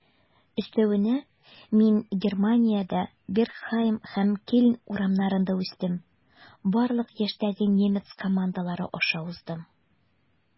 Өстәвенә, мин Германиядә, Бергхайм һәм Кельн урамнарында үстем, барлык яшьтәге немец командалары аша уздым.